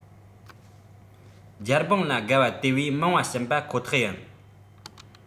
རྒྱལ འབངས ལ དགའ བ དེ བས མང བ བྱིན པ ཁོ ཐག ཡིན